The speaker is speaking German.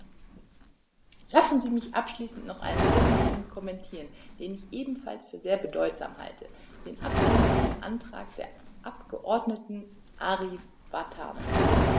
Lassen Sie mich abschließend noch einen dritten Punkt kommentieren, den ich ebenfalls für sehr bedeutsam halte: den Abänderungsantrag des Abgeordneten Ari Vatanen.